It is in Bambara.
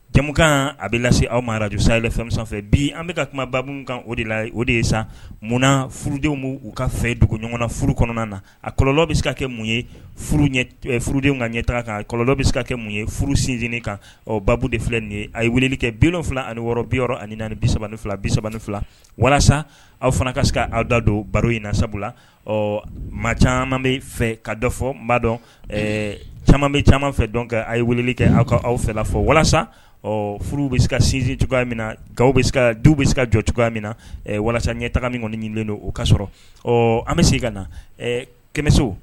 Cɛmankan a bɛ lase aw marajsa la fɛn fɛ bi an bɛka ka kumaba minnu kan o de la o de ye san munna furudenw b u ka fɛ dugu ɲɔgɔn na furu kɔnɔna na a kɔlɔlɔ bɛ se ka kɛ mun ye furudenw kan ɲɛ tan kan kɔlɔlɔ bɛ se ka kɛ mun ye furu sinsinni kan ɔ baabu de filɛ nin a ye weele kɛ bi fila ani wɔɔrɔ biyɔrɔ ani ni bisaban ni fila bi3ban ni fila walasa aw fana ka se aw da don baro in na sabula ɔ ma caman bɛ fɛ ka dɔ fɔ n b' dɔn caman bɛ caman fɛ dɔn kɛ aw ye wele kɛ aw ka aw fɛ fɔ walasa ɔ furu bɛ se ka sinsin cogoya minɛ ga bɛ se ka du bɛ se ka jɔ cogoya min na walasa ɲɛ taga min kɔni ɲinilen don o ka sɔrɔ ɔ an bɛ se ka na kɛmɛso